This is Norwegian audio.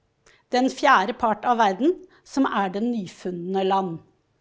en fjerde part av verden som er det nyfunnede land.